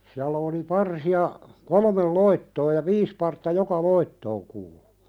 siellä oli parsia kolme loittoa ja viisi partta joka loittoon kuului